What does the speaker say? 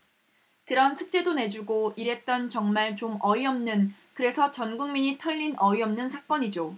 그런 숙제도 내주고 이랬던 정말 좀 어이없는 그래서 전국민이 털린 어이없는 사건이죠